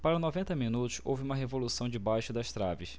para noventa minutos houve uma revolução debaixo das traves